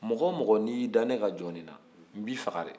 mɔgɔ o mɔgɔ n'i y'i da ne ka jɔ nin na n b'i faga de